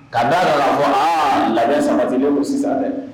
Ka da dɔ la ka fɔ aa labɛn samatilen don sisan dɛ.